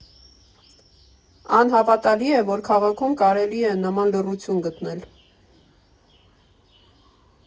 Անհավատալի է, որ քաղաքում կարելի է նման լռություն գտնել։